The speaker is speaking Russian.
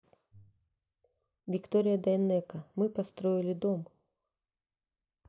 victoria dayneko мы построим дом